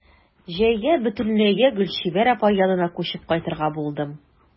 Җәйгә бөтенләйгә Гөлчибәр апа янына күчеп кайтырга булдым.